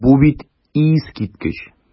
Бу бит искиткеч!